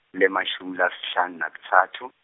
lemashumi lasihlanu nakutsatfu.